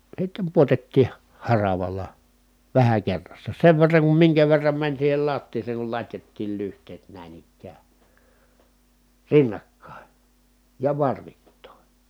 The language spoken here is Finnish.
sitten pudotettiin - haravalla vähän kerrassa sen verran kuin minkä verran meni siihen lattiaan kun latjattiin lyhteet näin ikään rinnakkain ja varvittain